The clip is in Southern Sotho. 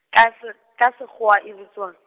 ka se-, ka sekgoa e bitswang?